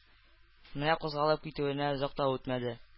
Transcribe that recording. Менә кузгалып китүенә озак та үтмәде